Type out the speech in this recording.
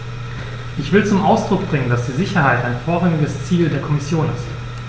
Ich will zum Ausdruck bringen, dass die Sicherheit ein vorrangiges Ziel der Kommission ist.